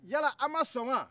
yala aw ma sɔn wa